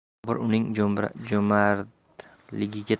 bobur uning jo'mardligiga tan